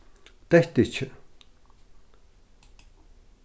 dett ikki